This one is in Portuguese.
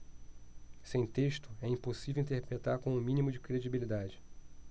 sem texto é impossível interpretar com o mínimo de credibilidade